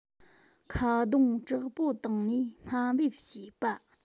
ཁ རྡུང དྲག པོ བཏང ནས སྨ འབེབས བྱེད པ